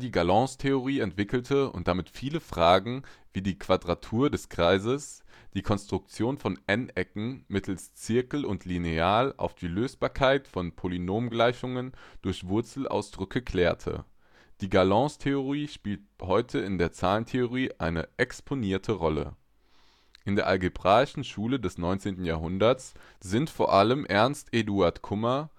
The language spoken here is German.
Galoistheorie entwickelte und damit viele alte Fragen, wie die Quadratur des Kreises, die Konstruktion von n-Ecken mittels Zirkel und Lineal und die Auflösbarkeit von Polynomgleichungen durch Wurzelausdrücke klärte. Die Galoistheorie spielt heute in der Zahlentheorie eine exponierte Rolle. In der algebraischen Schule des neunzehnten Jahrhunderts sind vor allem Ernst Eduard Kummer